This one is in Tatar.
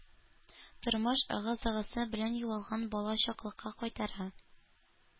Тормыш ыгы-зыгысы белән югалган бала чаклыкка кайтара,